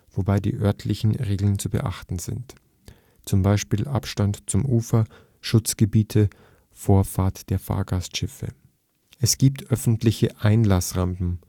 wobei die örtlichen Regeln zu beachten sind (z.B. Abstand zum Ufer, Schutzgebiete, Vorfahrt der Fahrgastschiffe). Es gibt öffentliche Einlassrampen